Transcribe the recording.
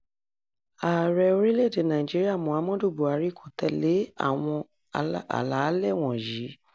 Ààrẹ orílẹ̀-èdè Nàìjíríà Muhammadu Buhari kò tẹ̀lé àwọn àlàálẹ̀ wọ̀nyí.